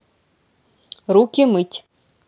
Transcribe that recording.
руки мыть